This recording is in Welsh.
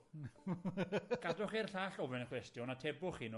Gadwch i'r llall ofyn y cwestiwn atebwch chi nw.